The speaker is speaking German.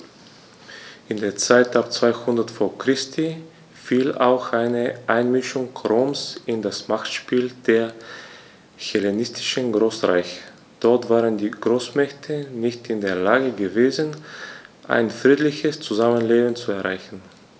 In die Zeit ab 200 v. Chr. fiel auch die Einmischung Roms in das Machtspiel der hellenistischen Großreiche: Dort waren die Großmächte nicht in der Lage gewesen, ein friedliches Zusammenleben zu erreichen.